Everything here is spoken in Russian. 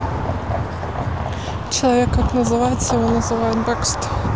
человек как называется его называет бэкст